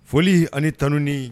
Foli ani tanun ni